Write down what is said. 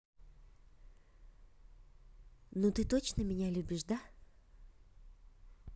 ну ты точно меня любишь да